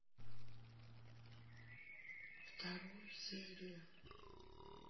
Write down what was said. вторую серию